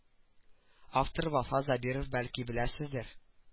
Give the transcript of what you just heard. Авторы вафа зәбиров бәлки беләсездер